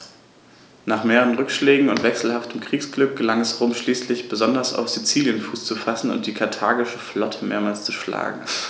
Nach mehreren Rückschlägen und wechselhaftem Kriegsglück gelang es Rom schließlich, besonders auf Sizilien Fuß zu fassen und die karthagische Flotte mehrmals zu schlagen.